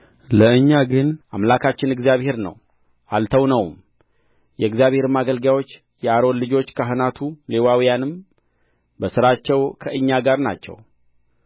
ለእኛ ግን አምላካችን እግዚአብሔር ነው አልተውነውም የእግዚአብሔርም አገልጋዮች የአሮን ልጆች ካህናቱ ሌዋውያኑም በሥራቸው ከእኛ ጋር ናቸው